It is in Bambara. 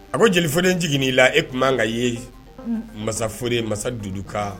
A ko jeli flen jigin'i la e tun ka ye masaf masa duurukan